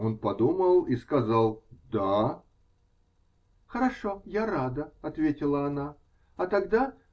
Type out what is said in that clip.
Он подумал и сказал: -- Да. -- Хорошо, я рада, -- ответила она. -- А тогда.